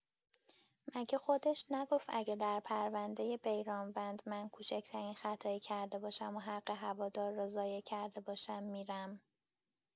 مگه خودش نگفت اگر در پرونده بیرانوند من کوچکترین خطایی کرده باشم و حق هوادار را ضایع کرده باشم می‌رم؟